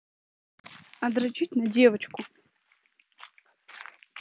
а дрочить на девочку